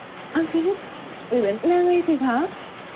anh phi líp bị bệnh nan y thiệt hả